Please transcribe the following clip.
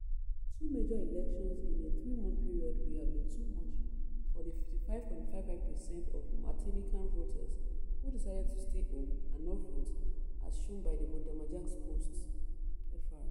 Two major elections in a three-month period may have been too much for the 55.55% of Martinican voters who decided to stay home and not vote, as shown by Bondamanjak's post [Fr].